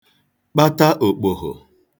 kpata òkpòghò